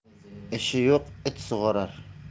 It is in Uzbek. ishi yo'q it sug'orar